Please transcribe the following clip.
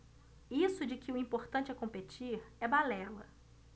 isso de que o importante é competir é balela